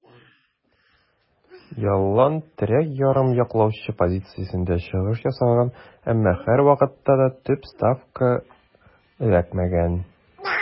Ялланн терәк ярым яклаучы позициясендә чыгыш ясаган, әмма һәрвакытта да төп составка эләкмәгән.